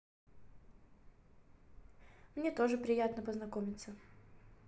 мне тоже приятно познакомиться